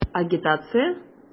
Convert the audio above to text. Агитация?!